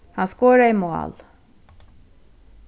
hann skoraði mál